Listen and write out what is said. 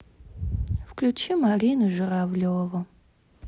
включи марину журавлеву